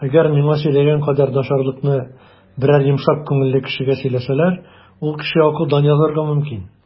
Әгәр миңа сөйләгән кадәр начарлыкны берәр йомшак күңелле кешегә сөйләсәләр, ул кеше акылдан язарга мөмкин.